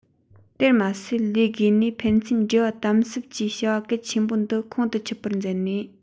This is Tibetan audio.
དེར མ ཟད ལས བགོས ནས ཕན ཚུན འབྲེལ བ དམ ཟབ ཀྱིས བྱ བ གལ ཆེན པོ འདི ཁོང དུ ཆུད པར མཛད ནས